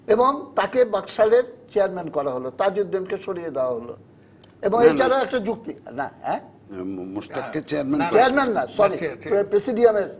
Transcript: এবং তাকে বাকশালের চেয়ারম্যান করা হলো এবং তাজউদ্দীনকে সরিয়ে দেয়া হল এবং এটার ও একটা যুক্তি মোশতাককে চেয়ারম্যান চেয়ারম্যান না সরি প্রেসিডিয়ামের